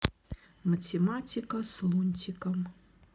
математика с лунтиком